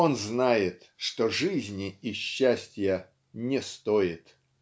он знает, что жизни и счастья не стоит.